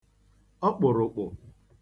ọkpụ̀rụ̀kpụ̀